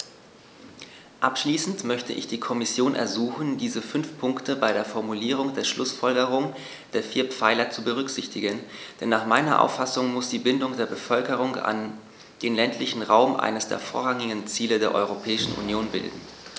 Abschließend möchte ich die Kommission ersuchen, diese fünf Punkte bei der Formulierung der Schlußfolgerungen der vier Pfeiler zu berücksichtigen, denn nach meiner Auffassung muss die Bindung der Bevölkerung an den ländlichen Raum eines der vorrangigen Ziele der Europäischen Union bilden.